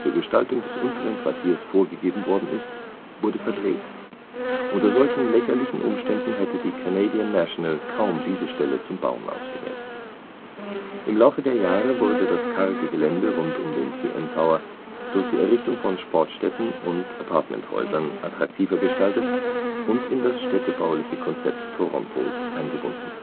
Gestaltung des unteren Quartiers vorgegeben worden ist, wurde verkehrt, […] Unter solchen lächerlichen Umständen hätte die Canadian National kaum diese Stelle zum Bauen ausgewählt. “). Im Laufe der Jahre wurde das karge Gelände rund um den CN Tower durch die Errichtung von Sportstätten und Appartementhäusern attraktiver gestaltet und in das städtebauliche Konzept Torontos eingebunden